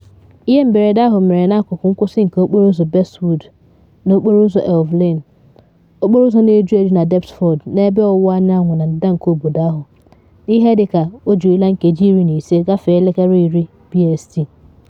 Ihe mberede ahụ mere n’akụkụ nkwụsị nke Okporo Ụzọ Bestwood na Okporo Ụzọ Evelyn, okporo uzọ na eju eju na Deptford, n’ebe ọwụwa anyanwụ na ndịda nke obodo ahụ, n’ihe dị ka 10:15 BST.